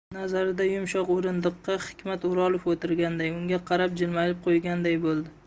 nazarida yumshoq o'rindiqda hikmat o'rolov o'tirganday unga qarab jilmayib qo'yganday bo'ldi